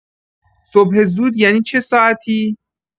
صبح زود یعنی چه ساعتی؟